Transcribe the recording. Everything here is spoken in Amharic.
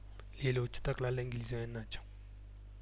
ሌሎች ጠቅላላ እንግሊዛዊያን ናቸው